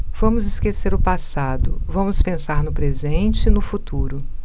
vamos esquecer o passado vamos pensar no presente e no futuro